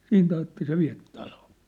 siitä ajatte se vie taloon